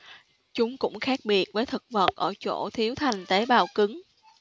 chúng cũng khác biệt với thực vật ở chỗ thiếu thành tế bào cứng